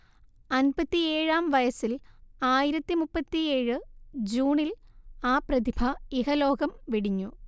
അൻപത്തിയേഴാം വയസ്സിൽ ആയിരത്തി മുപ്പത്തിയേഴ് ജൂണിൽ ആ പ്രതിഭ ഇഹലോകം വെടിഞ്ഞു